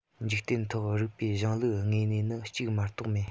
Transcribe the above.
འཇིག རྟེན ཐོག རིགས པའི གཞུང ལུགས དངོས གནས ནི གཅིག མ གཏོགས མེད